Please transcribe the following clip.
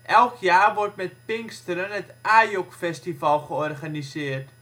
Elk jaar wordt met Pinksteren het AJOC-festival georganiseerd